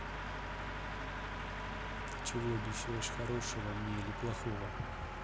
ты чего обещаешь хорошего мне или плохого